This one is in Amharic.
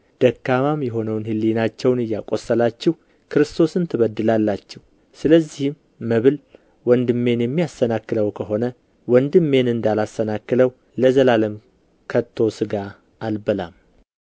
ደካማም የሆነውን ሕሊናቸውን እያቆሰላችሁ ክርስቶስን ትበድላላችሁ ስለዚህም መብል ወንድሜን የሚያሰናክለው ከሆነ ወንድሜን እንዳላሰናክለው ለዘላለም ከቶ ሥጋ አልበላም